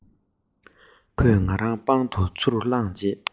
ཁོས ང རང པང དུ ཚུར བླངས རྗེས